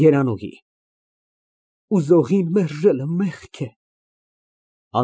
ԵՐԱՆՈՒՀԻ ֊ Ու գողին մերժելը մեղք է։